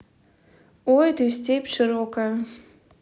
ой ты степь широкая